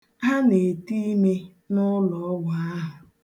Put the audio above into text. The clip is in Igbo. Ha na-ete ime n'ụlọọgwụ ahụ.